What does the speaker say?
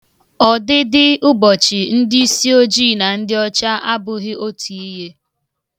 Ọdịdịụbọchị ndị isi ojii na ndị ọcha abụghị otu ihe.